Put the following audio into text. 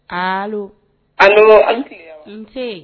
Allo , allo A ni tile! Un see!